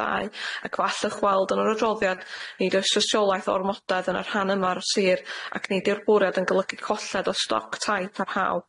ddau ac falle chwyld yn yr adroddiad nid oes tosiolaeth o ormodedd yn y rhan yma'r sir ac nid yw'r bwriad yn golygu colled o stoc tai parhaol.